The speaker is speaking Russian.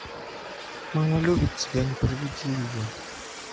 мама любит тебя не подведи ее